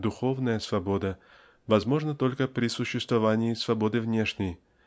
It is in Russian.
духовная свободна возможна только при существовании свободы внешней